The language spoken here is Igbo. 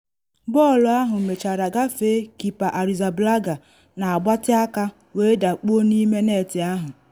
Bọọlụ ahụ mechara gafee Kepa Arrizabalaga na agbatị aka wee dakpuo n’ime net ahụ.